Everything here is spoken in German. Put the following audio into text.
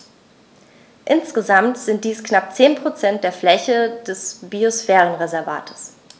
Insgesamt sind dies knapp 10 % der Fläche des Biosphärenreservates.